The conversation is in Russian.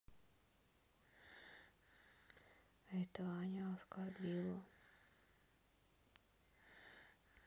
это аня оскорбила